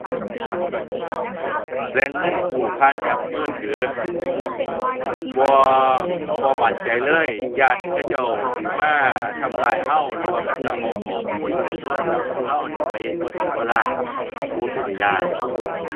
แหล่งเงินกู้ผ่านแอปมือถือ บ่ บ่มั่นใจเลย ย้านเขาเจ้าสิมาทำร้ายเรา หรือว่าเขาเจ้าเอาข้อมูลอยู่ในโทรศัพท์ของเรานี่ ไปเฮ็ดบ่ดีบ่ร้าย โอ้ย เป็นตาย้าน